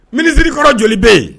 Minisiririkɔrɔ joli bɛ yen